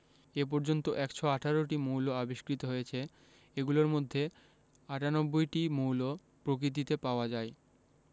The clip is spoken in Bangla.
এ পর্যন্ত ১১৮টি মৌল আবিষ্কৃত হয়েছে এগুলোর মধ্যে ৯৮টি মৌল প্রকৃতিতে পাওয়া যায়